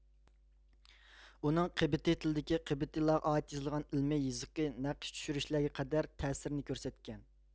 ئۇنىڭ قېبتىي تىلىدىكى قېبتىيلارغا ئائىت يىزىلغان ئىلمى يىزىقى نەقىش چۈشۈرۈشلەرگە قەدەر تەسىرىنى كۆرسەتكەن